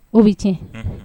O bɛ tiɲɛ, unhun.